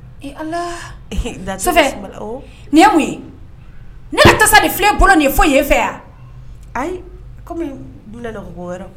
Ala la ni ye mun ye ne ni fi bolo nin foyi ye fɛ yan ayi kɔmi